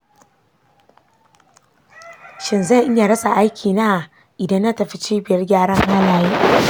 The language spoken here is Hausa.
shin zan iya rasa aiki na idan na tafi cibiyar gyaran halayya?